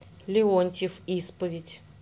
леонтьев исповедь